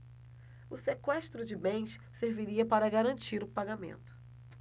o sequestro de bens serviria para garantir o pagamento